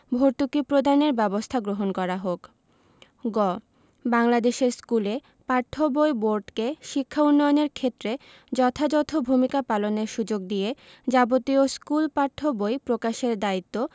ভর্তুকি প্রদানের ব্যবস্থা গ্রহণ করা হোক গ বাংলাদেশের স্কুলে পাঠ্য বই বোর্ডকে শিক্ষা উন্নয়নের ক্ষেত্রে যথাযথ ভূমিকা পালনের সুযোগ দিয়ে যাবতীয় স্কুল পাঠ্য বই প্রকাশের দায়িত্ব